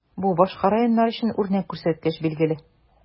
Бу башка районнар өчен үрнәк күрсәткеч, билгеле.